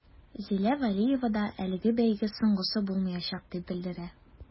Зилә вәлиева да әлеге бәйге соңгысы булмаячак дип белдерә.